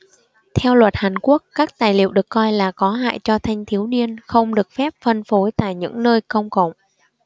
theo luật hàn quốc các tài liệu được coi là có hại cho thanh thiếu niên không được phép phân phối tại những nơi công cộng